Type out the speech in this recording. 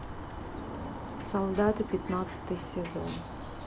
солдаты пятнадцатый сезон